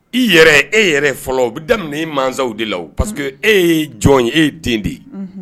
I yɛrɛ e yɛrɛ i bɛ daminɛ mansaw de la o parce que e ye jɔn ye e ye den de ye